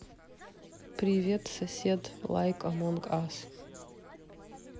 привет сосед лайк амонг ас